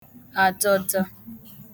àtọ̀tọ̀